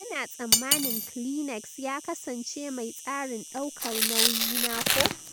"Kuna tsammani Kleenex ya kasance mai tsarin daukar nauyi na ko.